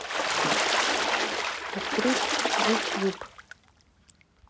открыть ютьюб